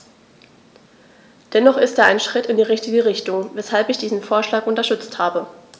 Dennoch ist er ein Schritt in die richtige Richtung, weshalb ich diesen Vorschlag unterstützt habe.